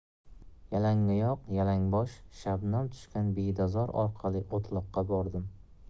yalangoyoq yalangbosh shabnam tushgan bedazor orqali o'tloqqa bordim